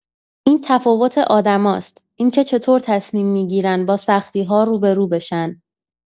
این تفاوت آدماست، اینکه چطور تصمیم می‌گیرن با سختی‌ها روبه‌رو بشن.